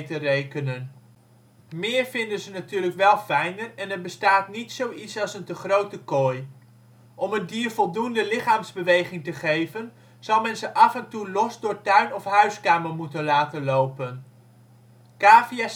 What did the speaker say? rekenen. Meer vinden ze natuurlijk wel fijner en er bestaat niet zoiets als een te grote kooi. Om het dier voldoende lichaamsbeweging te geven zal men ze af en toe los door tuin of huiskamer moeten laten lopen. Cavia